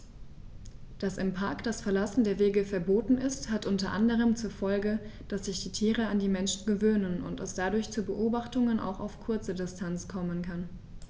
Dass im Park das Verlassen der Wege verboten ist, hat unter anderem zur Folge, dass sich die Tiere an die Menschen gewöhnen und es dadurch zu Beobachtungen auch auf kurze Distanz kommen kann.